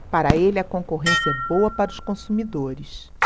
para ele a concorrência é boa para os consumidores